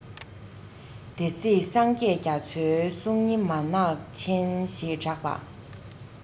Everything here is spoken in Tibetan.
སྡེ སྲིད སངས རྒྱས རྒྱ མཚོའི གསུང ཉི མ ནག ཆེན ཞེས གྲགས པ